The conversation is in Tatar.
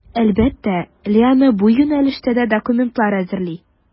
Әлбәттә, Лиана бу юнәлештә дә документлар әзерли.